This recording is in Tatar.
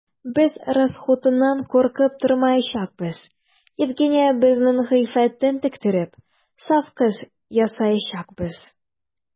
Без расхутыннан куркып тормаячакбыз: Евгениябезнең гыйффәтен тектереп, саф кыз ясаячакбыз.